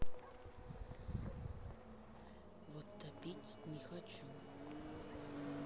вот топить не хочу